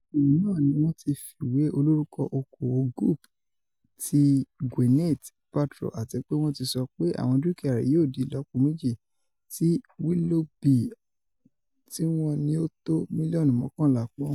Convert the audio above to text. Oko-òwò náà ni wọ́n ti fiwé olorúkọ Oko-òwò Goop ti Gwyneth Paltrow àtipé wọ́n ti sọ pé àwọn dúkìá rẹ̀ yóò di ìlọ́po méjì ti Willoughby tí wọ́n ní ó tó mílíọ̀nù mọ́kànlá pọ́ùn.